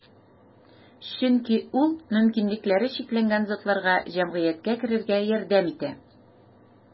Чөнки ул мөмкинлекләре чикләнгән затларга җәмгыятькә керергә ярдәм итә.